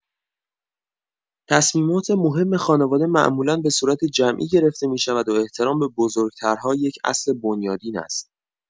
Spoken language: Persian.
تصمیمات مهم خانواده معمولا به صورت جمعی گرفته می‌شود و احترام به بزرگترها یک اصل بنیادین است.